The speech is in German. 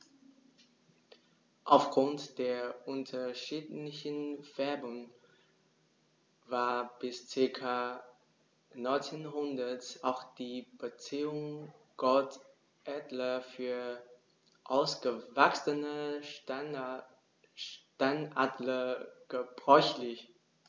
Auf Grund der unterschiedlichen Färbung war bis ca. 1900 auch die Bezeichnung Goldadler für ausgewachsene Steinadler gebräuchlich.